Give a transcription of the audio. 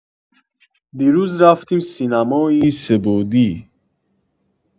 دیروز رفتیم سینمایی سه‌بعدی